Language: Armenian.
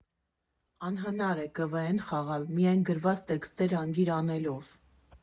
Անհնար է ԿՎՆ խաղալ միայն գրված տեքստեր անգիր անելով։